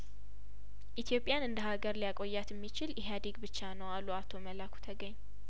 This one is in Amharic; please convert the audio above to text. ኢትዮጵያን እንደሀገር ሊያቆያት እሚችል ኢህአዴግ ብቻ ነው አሉ አቶ መላኩ ተገኝ